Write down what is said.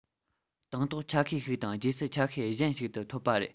དང ཐོག ཆ ཤས ཤིག དང རྗེས སུ ཆ ཤས གཞན ཞིག ཏུ ཐོབ པ རེད